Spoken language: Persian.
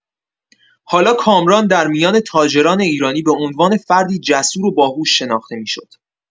حالا کامران در میان تاجران ایرانی به عنوان فردی جسور و باهوش شناخته می‌شد.